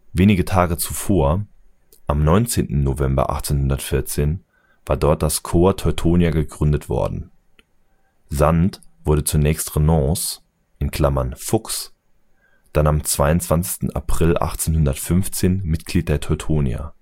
Wenige Tage zuvor, am 19. November 1814, war dort das Corps Teutonia gegründet worden. Sand wurde zunächst Renonce (Fuchs), dann am 22. April 1815 Mitglied der Teutonia